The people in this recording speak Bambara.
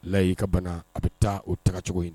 Layi i ka bana a bɛ taa o taga cogo in